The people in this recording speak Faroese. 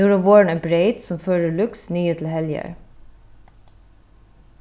nú er hon vorðin ein breyt sum førir lúkst niður til heljar